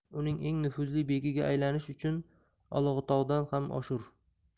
uning eng nufuzli bekiga aylanish uchun olatog'dan ham oshur